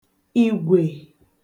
ìgwè